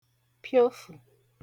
piofụ̀